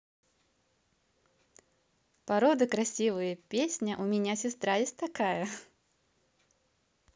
породы красивые песня у меня сестра есть такая